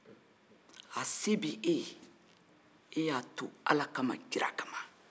a se bɛ e ye e y'a to ala kma kira kama